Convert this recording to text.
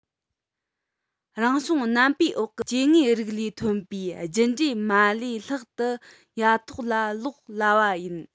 རང བྱུང རྣམ པའི འོག གི སྐྱེ དངོས རིགས ལས ཐོན པའི རྒྱུད འདྲེས མ ལས ལྷག ཏུ ཡ ཐོག ལ ལོག སླ བ ཡིན